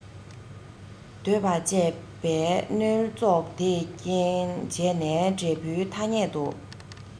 འདོད པ སྤྱད པས མནོལ བཙོག དེས རྐྱེན བྱས ནས འབྲས བུའི ཐ སྙད དུ